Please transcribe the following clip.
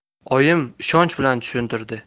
oyim ishonch bilan tushuntirdi